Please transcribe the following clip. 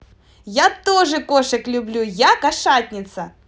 я тоже кошек люблю я кошатница